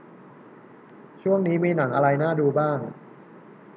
ช่วงนี้มีหนังอะไรน่าดูบ้าง